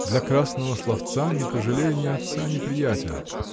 -- для красного словца не пожалею ни отца, ни приятеля.